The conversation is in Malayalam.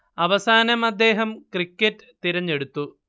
അവസാനം അദ്ദേഹം ക്രിക്കറ്റ് തിരെഞ്ഞെടുത്തു